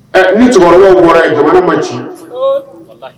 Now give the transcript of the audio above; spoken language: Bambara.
Ɛ ni cɛkɔrɔbaw bɔra in jamana man ci?